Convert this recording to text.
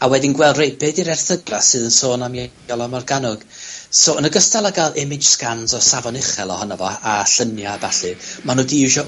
a wedyn gweld reit be' 'di'r erthygla sydd yn sôn am Iei- Iolo Morgannwg. So yn ogystal â ga'l image scans o safon uchel ohono fo a llunia' a ballu, ma' nw 'di iwsio